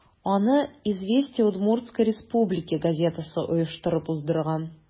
Аны «Известия Удмуртсткой Республики» газетасы оештырып уздырган.